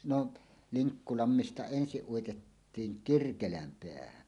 no Liŋkkulammesta ensin uitettiin Kirkelänpäähän